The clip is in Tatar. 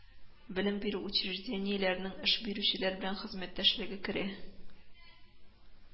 Белем бирү учреждениеләренең эш бирүчеләр белән хезмәттәшлеге керә